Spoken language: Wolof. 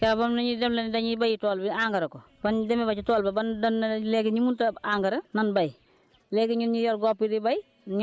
xanaa ni ko Ndeye Diagne waxee rek keroog bam ne ñu dem leen dañuy béye tool bi engrais ko bañ demee ba ca tool ba ban dañ ne nag léegi ñi munut a engrais nañ béy